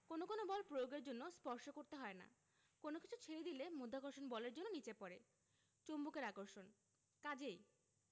কোনো কোনো বল প্রয়োগের জন্য স্পর্শ করতে হয় না কোনো কিছু ছেড়ে দিলে মাধ্যাকর্ষণ বলের জন্য নিচে পড়া চুম্বকের আকর্ষণ কাজেই